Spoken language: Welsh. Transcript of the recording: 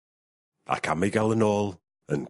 ...ac am ei ga'l yn ôl...